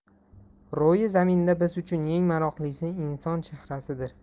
ro'yi zaminda biz uchun eng maroqlisi inson chehrasidir